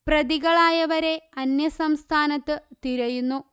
പ്രതികളായവരെ അന്യസംസ്ഥാനത്ത് തിരയുന്നു